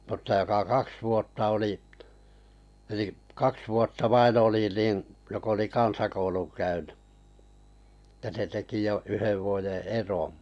mutta joka kaksi vuotta oli eli kaksi vuotta vain oli niin joka oli kansakoulun käynyt että se teki jo yhden vuoden eron